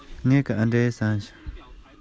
སྐད ཆ ལྡབ ལྡིབ མང པོ ཞིག བཤད ཀྱིན འདུག